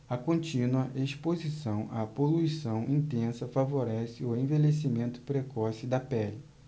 a contínua exposição à poluição intensa favorece o envelhecimento precoce da pele